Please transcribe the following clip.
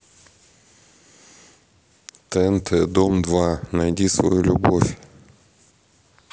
тнт дом два найди свою любовь